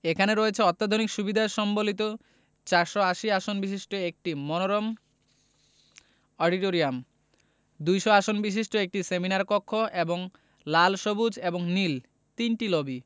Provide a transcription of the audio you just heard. এখানে রয়েছে অত্যাধুনিক সুবিধা সম্বলিত ৪৮০ আসন বিশিষ্ট একটি মনোরম অডিটোরিয়াম ২০০ আসন বিশিষ্ট একটি সেমিনার কক্ষ এবং লাল সবুজ এবং নীল তিনটি লবি